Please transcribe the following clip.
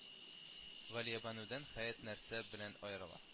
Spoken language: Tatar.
Галиябанудан Хәят нәрсә белән аерыла: